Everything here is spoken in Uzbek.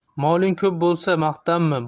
moling ko'p bo'lsa maqtanma